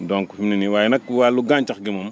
donc fi mu ne nii waaye nag wàllu gàncax gi moom